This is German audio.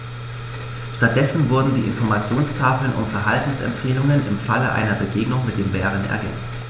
Stattdessen wurden die Informationstafeln um Verhaltensempfehlungen im Falle einer Begegnung mit dem Bären ergänzt.